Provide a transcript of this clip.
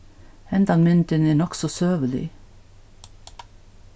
hendan myndin er nokk so søgulig